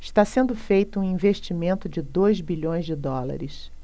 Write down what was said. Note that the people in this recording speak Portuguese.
está sendo feito um investimento de dois bilhões de dólares